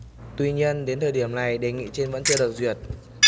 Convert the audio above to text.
tuy nhiên đến thời điểm này đề nghị trên vẫn chưa được duyệt